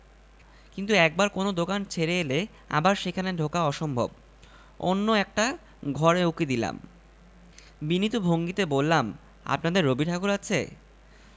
কিন্তু একবার কোন দোকান ছেড়ে এলে আবার সেখানে ঢোকা অসম্ভব অন্য একর্টা ঘরে উকি দিলাম বিনীত ভঙ্গিতে বললাম আপনাদের রবিঠাকুর আছে